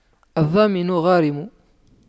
الضامن غارم